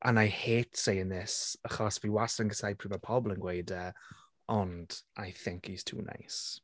And I hate saying this achos fi wastad yn casáu pryd mae pobl yn gweud e, ond I think he's too nice.